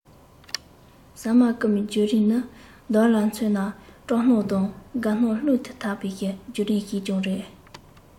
ཟ མ བརྐུ བའི བརྒྱུད རིམ ནི བདག ལ མཚོན ན སྐྲག སྣང དང དགའ སྣང ལྷན དུ འཐབ པའི བརྒྱུད རིམ ཞིག ཀྱང རེད